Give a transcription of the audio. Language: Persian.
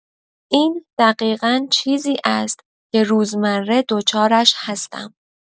این دقیقا چیزی است که روزمره دچارش هستم.